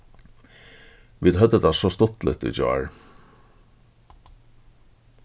vit høvdu tað so stuttligt í gjár